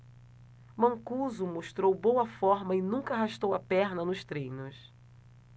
mancuso mostrou boa forma e nunca arrastou a perna nos treinos